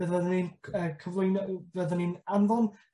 fe fyddwn ni'n cy- yy cyflwyno yy fyddwn ni'n anfon